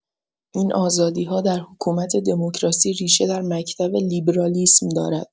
این آزادی‌ها در حکومت دموکراسی ریشه در مکتب لیبرالیسم دارد.